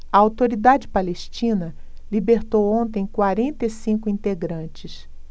a autoridade palestina libertou ontem quarenta e cinco integrantes